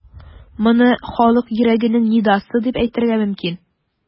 Моны халык йөрәгенең нидасы дип әйтергә мөмкин.